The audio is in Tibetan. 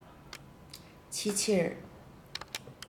ཕྱི ཕྱིར